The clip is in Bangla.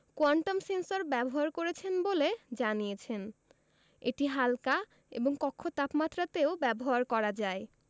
কোয়ান্টাম সেন্সর ব্যবহার করেছেন বলে জানিয়েছেন এটি হাল্কা এবং কক্ষ তাপমাত্রাতেও ব্যবহার করা যায়